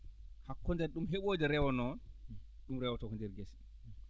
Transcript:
hakkunde ɗum heeɓoyde reewo noon ɗum rewata ko ndeer ngese